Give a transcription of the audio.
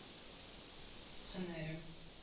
Һөнәрем